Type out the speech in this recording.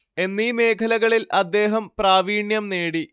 എന്നീ മേഖലകളിൽ അദ്ദേഹം പ്രാവീണ്യം നേടി